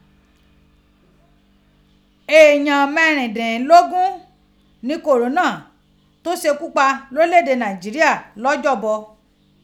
Eeyan mẹrindinlogun ni kòrónà tun ṣekupa lorilẹ ede Naijiria lọjọbọ.